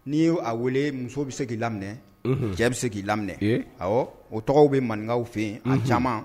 N'i y'o a wele muso bi se k'i laminɛ unhun cɛ bi se k'i laminɛ ee awɔ o tɔgɔw be maniŋaw fe yen unhun a caman